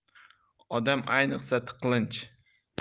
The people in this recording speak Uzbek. odam ayniqsa tiqilinch